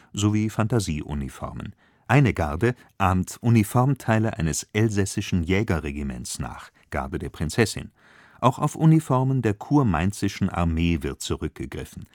sowie Phantasieuniformen. Eine Garde ahmt Uniformteile eines elsässisches Jägerregimentes nach (Garde der Prinzessin). Auch auf Uniformen der kurmainzischen Armee wird zurückgegriffen